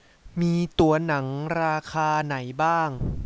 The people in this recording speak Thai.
มีตั๋วหนังราคาไหนบ้าง